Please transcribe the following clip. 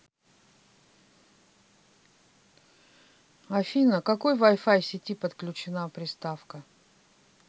афина к какой вай фай сети подключена приставка